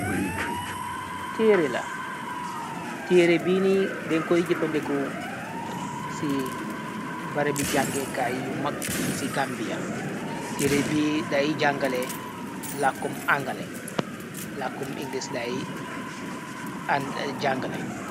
Teere la teere biini denkoy jëfa ndeku ci barabi jàngekaay yu mag yi ci gambia teere bi day jàngale angale làkkum inglis day an jàngale.